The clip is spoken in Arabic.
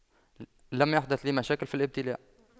لم يحدث لي مشاكل في الإبتلاع